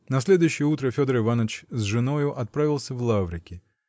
------ На следующее утро Федор Иваныч с женою отправился в Лаврики.